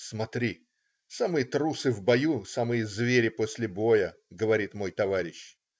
"Смотри, самые трусы в бою, самые звери после боя",- говорит мой товарищ.